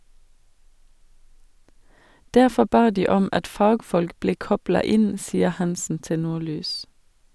Derfor ba de om at fagfolk ble kobla inn, sier Hansen til Nordlys.